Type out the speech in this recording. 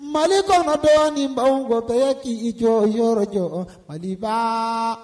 Mali tɔtɔ ni bawanwkɔtɔya k'i jɔyɔrɔ jɔ hali fa